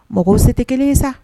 Mɔgɔ se tɛ kelen sa